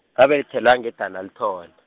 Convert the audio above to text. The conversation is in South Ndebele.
ngabelethelwa nge- Dennilton.